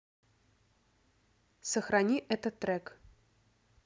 сохрани этот трек